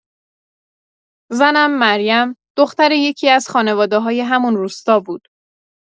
زنم، مریم، دختر یکی‌از خانواده‌های همون روستا بود.